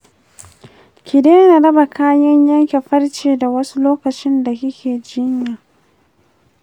ki daina raba kayan yankan farce da wasu lokacinda da kike jinya.